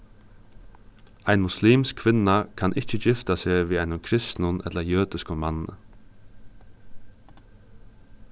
ein muslimsk kvinna kann ikki gifta seg við einum kristnum ella jødiskum manni